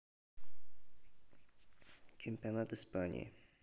чемпионат испании